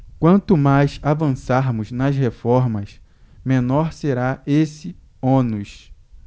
quanto mais avançarmos nas reformas menor será esse ônus